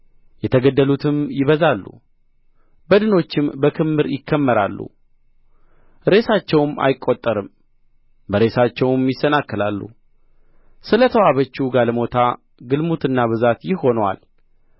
የተገደሉትም ይበዛሉ በድኖችም በክምር ይከመራሉ ሬሳቸውም አይቈጠርም በሬሳቸውም ይሰናከላሉ ስለ ተዋበችው ጋለሞታ ግልሙትና ብዛት ይህ ሆኖአል